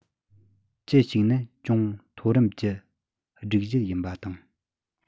ཅི ཞིག ནི ཅུང མཐོ རིམ གྱི སྒྲིག གཞི ཡིན པ དང